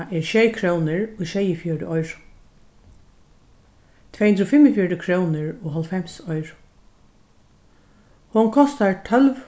er sjey krónur og sjeyogfjøruti oyru tvey hundrað og fimmogfjøruti krónur og hálvfems oyru hon kostar tólv